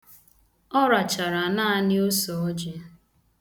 Ọ rachara naanị osọọjị.